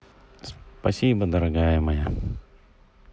спасибо дорогая моя